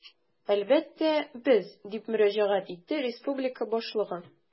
Әлбәттә, без, - дип мөрәҗәгать итте республика башлыгы.